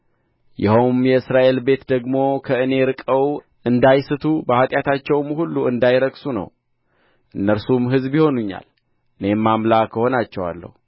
ይኸውም የእስራኤል ቤት ደግሞ ከእኔ ርቀው እንዳይስቱ በኃጢአታቸውም ሁሉ እንዳይረክሱ ነው እነርሱም ሕዝብ ይሆኑኛል እኔም አምላክ እሆናቸዋለሁ